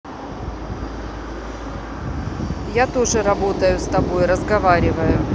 я тоже работаю с тобой разговариваю